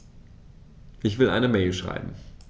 Ich will eine Mail schreiben.